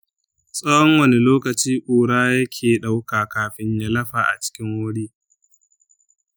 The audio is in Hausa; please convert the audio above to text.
tsawon wani lokaci ƙura yake ɗauka kafin ya lafa a cikin wuri?